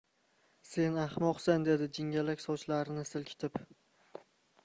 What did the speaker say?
sen ahmoqsan dedi jingalak sochlarini silkitib